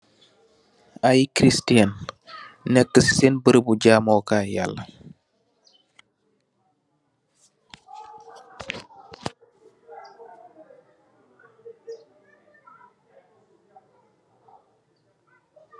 Aye Christian, nek si seen beureubu jaamoo kaay yallah.